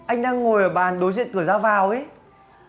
anh đang ngồi ở bàn đối diện cửa ra vào ý